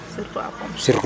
surtout a pom.